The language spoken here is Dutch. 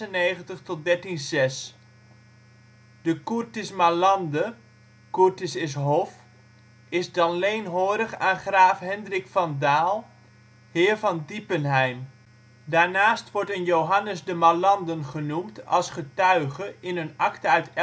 1296-1306. De " curtis Mallande " (curtis = hof) is dan leenhorig aan graaf Hendrik van Dahl, heer van Diepenheim. Daarnaast wordt een Johannes de Mallanden genoemd als getuige in een akte uit